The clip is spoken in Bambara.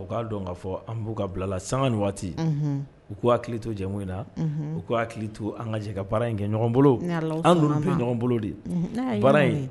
O k'a dɔn ka fɔ an b'u ka bilala sanga ni waati u ko hakili to jɛmu in na u ko hakili to an ka jɛ ka baara in kɛ ɲɔgɔn bolo an donna kɛ ɲɔgɔn bolo de baara in